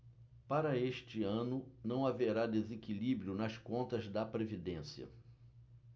para este ano não haverá desequilíbrio nas contas da previdência